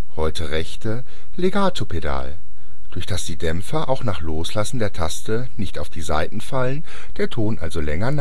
rechte) Legato-Pedal, durch das die Dämpfer auch nach Loslassen der Taste nicht auf die Saiten fallen, der Ton also länger